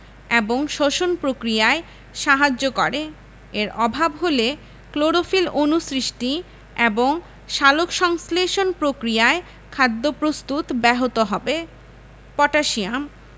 এবং শ্বসন প্রক্রিয়ায় সাহায্য করে এর অভাব হলে ক্লোরোফিল অণু সৃষ্টি এবং সালোকসংশ্লেষণ প্রক্রিয়ায় খাদ্য প্রস্তুত ব্যাহত হবে পটাশিয়াম